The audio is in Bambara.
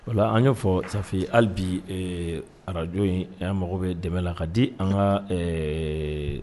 O la an y'a fɔ Safi , hali bi radio in mago bɛ dɛmɛ la ka di an ka ɛɛ